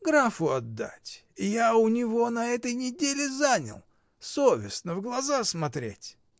Графу отдать: я у него на той неделе занял: совестно в глаза смотреть.